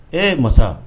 Ee masa